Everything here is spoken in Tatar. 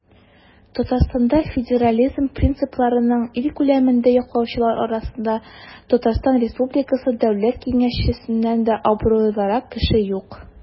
Татарстанда федерализм принципларын ил күләмендә яклаучылар арасында ТР Дәүләт Киңәшчесеннән дә абруйлырак кеше юк.